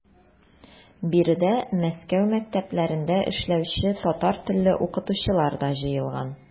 Биредә Мәскәү мәктәпләрендә эшләүче татар телле укытучылар да җыелган.